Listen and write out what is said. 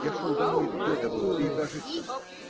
Я шел домой с Дедовым, пейзажистом.